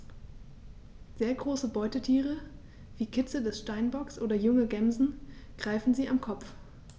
Sehr große Beutetiere wie Kitze des Steinbocks oder junge Gämsen greifen sie am Kopf.